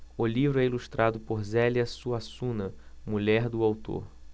o livro é ilustrado por zélia suassuna mulher do autor